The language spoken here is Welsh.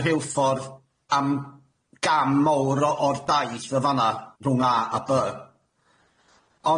y rheilffordd am gam mowr o o'r daith yn fan'na rhwng A a By.